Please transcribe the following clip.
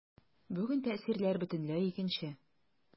Бүген тәэсирләр бөтенләй икенче.